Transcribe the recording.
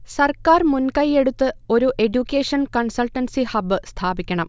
സർക്കാർ മുൻകൈയെടുത്ത് ഒരു എഡ്യൂക്കേഷൻ കൺസൾട്ടൻസി ഹബ് സ്ഥാപിക്കണം